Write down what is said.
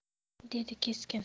dedi keskin